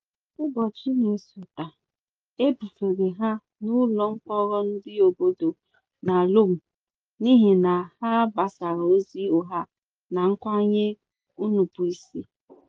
Ụbọchị na-esota, e bufere ha n'ụlọ mkpọrọ ndị obodo na Lome n'ihi na ha gbasara ozi ụgha na nkwanye nnupụisi.